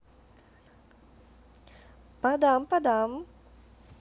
подам подам